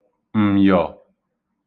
m̀yọ̀